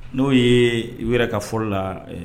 N'o ye yɛrɛ ka foro fɔlɔ la